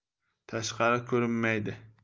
tashqari ko'rinmaydi